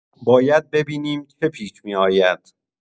باید ببینیم چه پیش می‌آید.